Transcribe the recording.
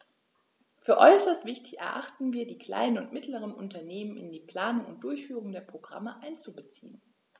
Für äußerst wichtig erachten wir, die kleinen und mittleren Unternehmen in die Planung und Durchführung der Programme einzubeziehen.